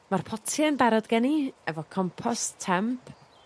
Ma'r potie'n barod gen i efo compost temp